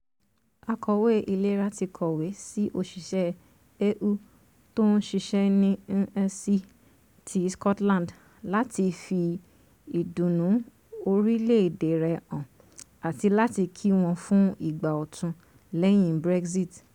Àkọ̀wé Ìlera ti kọ̀wé sí òṣìṣẹ́ EU tó ń ṣiṣẹ́ ní NHS ti Scotland láti fi ìdúnnú̀ orílẹ̀ èdè rẹ̀ hàn àti láti kí wọ́n fún ìgbà ọ̀tun lẹ́yìn Brexit.